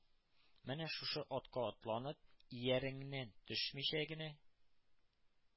— менә шушы атка атланып, ияреңнән төшмичә генә